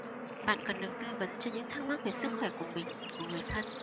bạn cần được tư vấn cho những thắc mắc về sức khỏe của mình của người thân